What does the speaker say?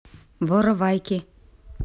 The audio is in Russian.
воровайки